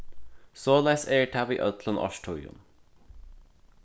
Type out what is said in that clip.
soleiðis er tað við øllum árstíðum